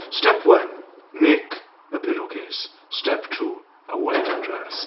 Step one: make a pillowcase. Step two: a wedding dress.